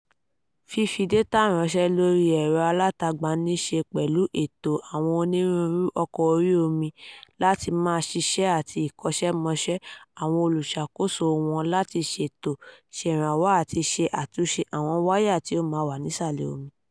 Fífi dátà ránṣẹ́ lóri ẹ̀rọ alátagbà níi ṣe pẹ̀lú ẹ̀tọ́ àwọn onírúurú ọkọ̀ orí omí láti máa ṣiṣẹ́ àti ìkọ̀ṣẹ́-mọṣẹ́sí àwọn olùṣàkóso wọn láti ṣètò, ṣèrànwó àtí ṣe àtúnṣe àwọn wáyà tì ó máa ń wà nísàlẹ̀ omi.